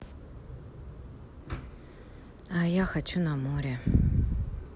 а я хочу на море